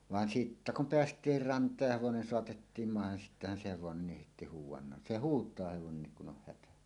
vaan sitten kun päästiin rantaan ja hevonen saatettiin maihin sittenhän se hevonen heitti huudannan se huutaa hevonenkin kun on hätä